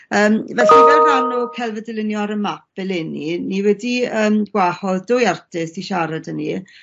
Yym felly fel rhan o celf a dylunio ar y map eleni ni wedi yym gwahodd dwy artist i siarad 'da ni.